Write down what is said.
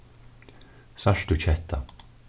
sært tú ketta